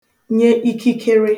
nye ikikere